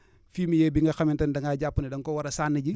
fumier bi nga xamante ne da ngaa jàpp ne da nga koo war a sanni ji